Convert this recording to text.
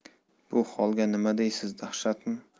bu holga nima deysiz dahshatmi